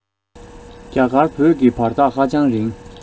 རྒྱ གར བོད ཀྱི བར ཐག ཧ ཅང རིང